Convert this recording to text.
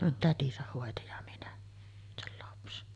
no tätinsä hoiti ja minä sen lapsen